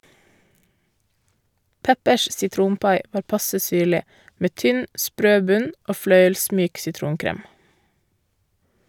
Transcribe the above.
Peppers sitronpai var passe syrlig, med tynn, sprø bunn og fløyelsmyk sitronkrem.